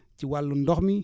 ci wàllum ndox mi